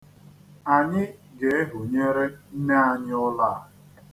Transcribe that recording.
Anyị ga-ehunyere nne anyị ụlọ a.